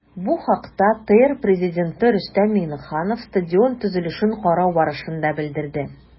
Бу хакта ТР Пррезиденты Рөстәм Миңнеханов стадион төзелешен карау барышында белдерде.